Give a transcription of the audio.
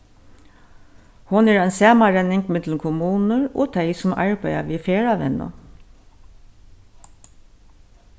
hon er ein samanrenning millum kommunur og tey sum arbeiða við ferðavinnu